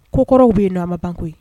Ko kɔrɔw bɛ ye nama bangeko ye